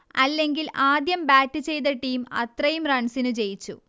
അല്ലെങ്കിൽ ആദ്യം ബാറ്റു ചെയ്ത ടീം അത്രയും റൺസിനു ജയിച്ചു